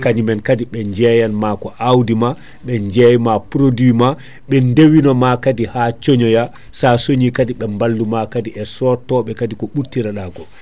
kañum en kaadi ɓe jeyetma ko awdima ɓe jeeyma produit ma ɓe dewinoma kadi ha coñoya sa soñi kaadi ɓe balluma kadi e sottote kaadi ko ɓurtireɗa ko